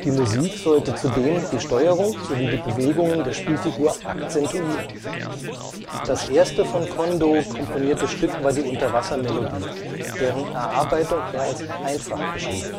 Musik sollte zudem die Steuerung sowie die Bewegungen der Spielfigur akzentuieren. Das erste von Kondō komponierte Stück war die Unterwassermelodie, deren Erarbeitung er als einfach beschrieb